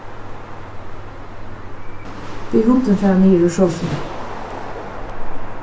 bið hundin fara niður úr sofuni